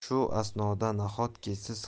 shu asnoda nahotki siz